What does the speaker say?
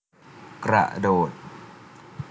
กระโดด